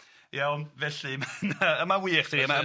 Iawn, felly ma'n yy ma'n wych dydi?